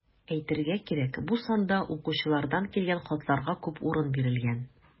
Әйтергә кирәк, бу санда укучылардан килгән хатларга күп урын бирелгән.